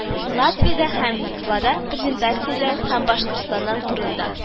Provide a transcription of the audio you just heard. Латвиядә һәм Литвада презентацияләү һәм Башкортстан турында